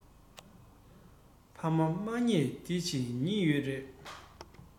ཕ མ མ མཉེས འདི ཕྱི གཉིས ཡོད རེད